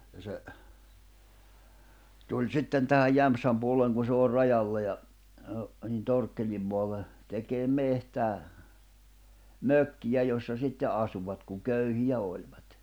ja se tuli sitten tähän Jämsän puolelle kun se on rajalla ja - niin Torkkelin maalle tekemään metsää mökkiä jossa sitten asuivat kun köyhiä olivat